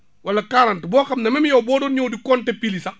wala quarante boo xam ne même yow boo doon ñëw di compter pile yi sax